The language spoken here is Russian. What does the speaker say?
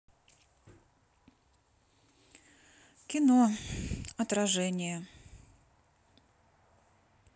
кино отражение